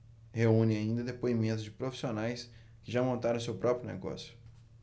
reúne ainda depoimentos de profissionais que já montaram seu próprio negócio